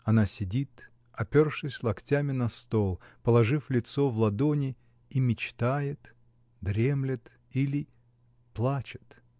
Она сидит, опершись локтями на стол, положив лицо в ладони, и мечтает, дремлет или. плачет.